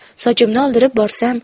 sochimni oldirib borsam